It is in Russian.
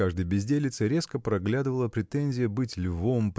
в каждой безделице резко проглядывала претензия быть львом